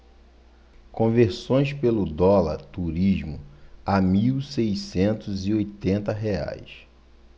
conversões pelo dólar turismo a mil seiscentos e oitenta reais